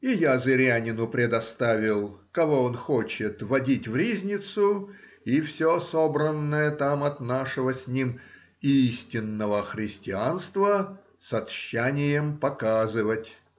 И я зырянину предоставил кого он хочет водить в ризницу и все собранное там от нашего с ним истинного христианства со тщанием показывать.